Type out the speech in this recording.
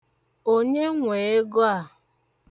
Onye nwe ego a?